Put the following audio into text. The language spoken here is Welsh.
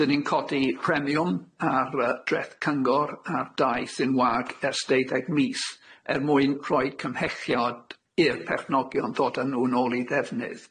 'Dyn ni'n codi premiwm ar y dreth Cyngor a'r dai sy'n wag ers deuddeg mis er mwyn rhoid cymhelliad i'r perchnogion ddod â nw nôl i ddefnydd.